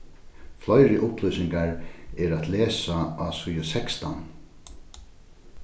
fleiri upplýsingar eru at lesa á síðu sekstan